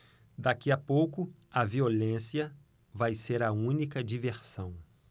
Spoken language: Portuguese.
daqui a pouco a violência vai ser a única diversão